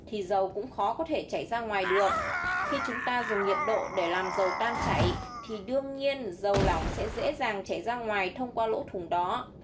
thì dầu cũng khó có thể chảy ra ngoài được khi chúng ta dùng nhiệt độ để làm dầu tan chảy thì đương nhiên dầu lỏng sẽ dễ dàng chảy ra ngoài qua lỗ thủng đó